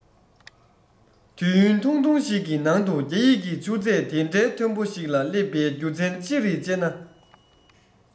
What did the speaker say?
དུས ཡུན ཐུང ཐུང ཞིག གི ནང དུ རྒྱ ཡིག གི ཆུ ཚད དེ འདྲའི མཐོན པོ ཞིག ལ སླེབས པའི རྒྱུ མཚན ཅི རེད ཅེ ན